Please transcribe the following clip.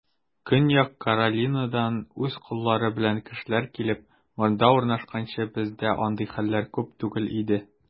Көньяк Каролинадан үз коллары белән кешеләр килеп, монда урнашканчы, бездә андый хәлләр күп түгел иде.